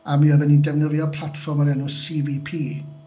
A mi oedden ni'n defnyddio platfform o'r enw CVP.